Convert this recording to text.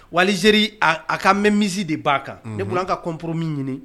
Wa Algérie a a ka main mise de b'a kan ne bolo an ka compromis ɲini